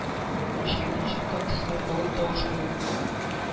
Мичкәдән чыккан төсле калын тавыш белән: